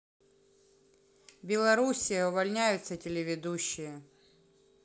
белоруссия увольняются телеведущие